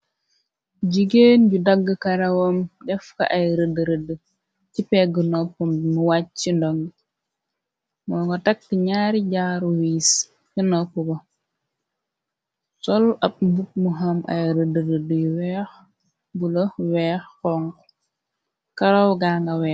Jigéen yu dagg karawam def ka ay rëdd rëdd ci pegg nopp mu wàcc ci ndongi moo nga tagti ñaari jaaru wiis ke nopp ba sol ab mbukk mu xam ay rëdd rëdd yu weex bu la weex xonxo kawar ganga weex.